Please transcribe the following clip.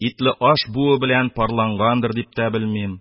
Итле аш буы белән парлангандыр дип тә белмим.